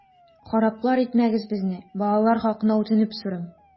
Хараплар итмәгез безне, балалар хакына үтенеп сорыйм!